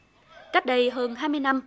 cách đây hơn hai mươi năm